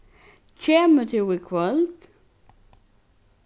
kemur tú í kvøld